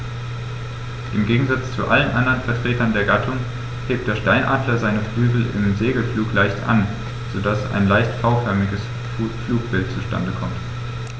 Im Gegensatz zu allen anderen Vertretern der Gattung hebt der Steinadler seine Flügel im Segelflug leicht an, so dass ein leicht V-förmiges Flugbild zustande kommt.